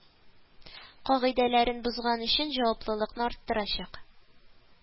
Кагыйдәләрен бозган өчен җаваплылыкны арттырачак